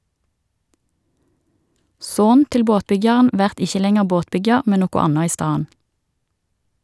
Son til båtbyggjaren vert ikkje lenger båtbyggjar, men noko anna i staden.